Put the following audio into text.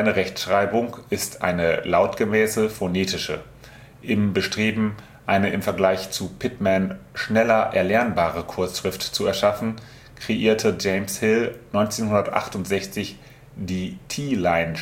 Rechtschreibung ist eine lautgemäße, phonetische. Im Bestreben, eine im Vergleich zu Pitman schneller erlernbare Kurzschrift zu erschaffen, kreierte James Hill 1968 die Teeline-Stenographie